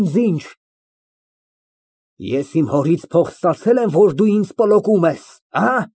Ի՞նձ ինչ։ Ես իմ հորից փող ստացե՞լ եմ, որ դու ինձ պլոկում ես, ա՞։